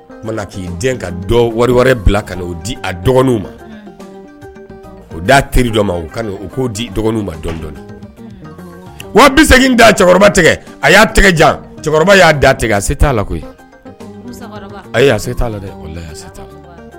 K'i den ka dɔ wari wɛrɛ bila ka di a dɔgɔninw ma o da teririjɔ ma k'o di dɔgɔninw ma dɔɔnin wa bɛ se k' da cɛkɔrɔba tigɛ a y'a tɛgɛ jan cɛkɔrɔba y'a da tigɛ a se t'a la koyi'a se t'a la la